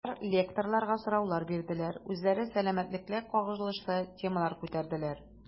Алар лекторларга сораулар бирделәр, үзләре сәламәтлеккә кагылышлы темалар күтәрделәр.